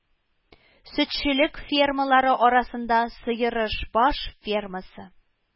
Сөтчелек фермалары арасында Сыерышбаш фермасы